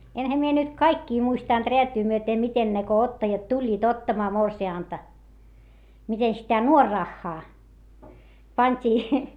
enhän minä nyt kaikkia muistanut räätyä myöten miten ne kun ottajat tulivat ottamaan morsianta miten sitä nuorarahaa pantiin